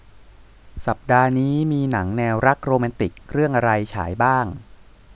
สัปดาห์นี้มีหนังแนวรักโรแมนติกเรื่องอะไรฉายบ้าง